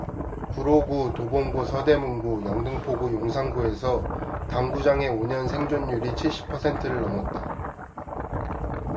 구로구 도봉구 서대문구 영등포구 용산구에서 당구장의 오 년 생존율이 칠십 퍼센트를 넘었다